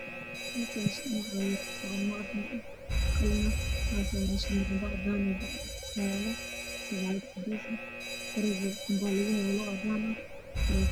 Waa bac bac cadaan ah